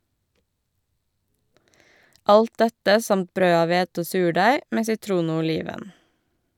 Alt dette samt brød av hvete og surdeig, med sitron og oliven.